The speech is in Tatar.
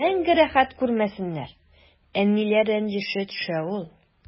Мәңге рәхәт күрмәсеннәр, әниләр рәнҗеше төшә ул.